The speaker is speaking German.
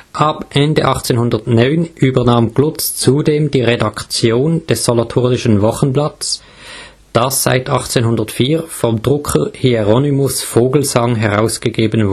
Ab Ende 1809 übernahm Glutz zudem die Redaktion des Solothurnischen Wochenblatts, das seit 1804 vom Drucker Hieronymus Vogelsang herausgegeben